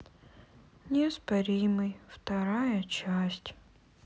неоспоримый вторая часть